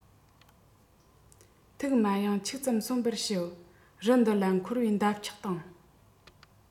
ཐུགས མ གཡེང ཁྱུག ཙམ གསོན པར ཞུ རི འདི ལ འཁོར བའི འདབ ཆགས དང